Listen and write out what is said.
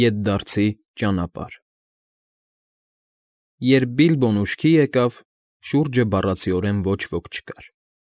ԵՏԴԱՐՁԻ ՃԱՆԱՊԱՐՀԸ Երբ Բիլբոն ուշքի եկավ, շուրջը բառացիորեն ոչ ոք չկար։